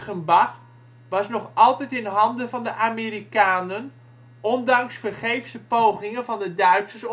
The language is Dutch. was nog altijd in handen van de Amerikanen, ondanks vergeefse pogingen van de Duitsers